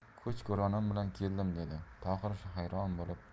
ko'ch ko'ronim bilan keldim dedi tohir hayron bo'lib